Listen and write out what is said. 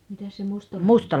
mitäs se mustalainen